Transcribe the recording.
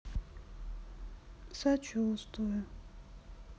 сочувствую